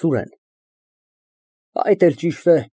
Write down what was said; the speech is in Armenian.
ՍՈՒՐԵՆ ֊ Այդ էլ ճիշտ է։